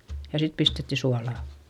ja sitten pistettiin suolaa